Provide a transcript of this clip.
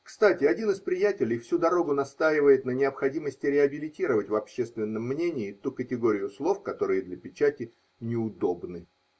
Кстати, один из приятелей всю дорогу настаивает на необходимости реабилитировать в общественном мнении ту категорию слов, которые для печати неудобны.